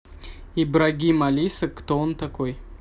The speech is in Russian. ибрагим алиса кто он такой